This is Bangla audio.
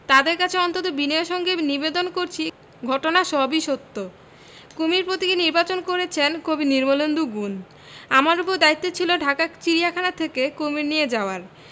তাঁদের কাছে অত্যন্ত বিনয়ের সঙ্গে নিবেদন করছি ঘটনা সবই সত্য কুমীর প্রতীকে নির্বাচন করেছেন কবি নির্মলেন্দু গুণ আমার উপর দায়িত্ব ছিল ঢাকা চিড়িয়াখানা থেকে কুমীর নিয়ে যাওয়ার